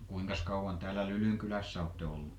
kuinkas kauan täällä Lylyn kylässä olette ollut